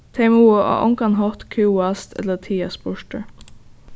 tey mugu á ongan hátt kúgast ella tigast burtur